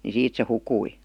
niin siitä se hukkui